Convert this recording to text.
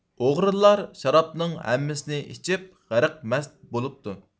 ئوغرىلار شارابنىڭ ھەممىسىنى ئىچىپ غەرق مەست بولۇپتۇ